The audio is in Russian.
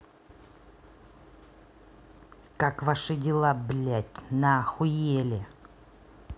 как ваши дела блядь на ахуели